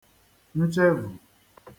nchevù